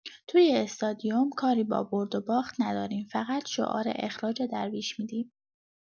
توی استادیوم کاری با برد باخت نداریم، فقط شعار اخراج درویش می‌دیم!